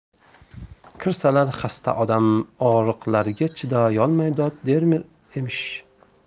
kirsalar xasta odam og'riqlarga chidayolmay dod der emish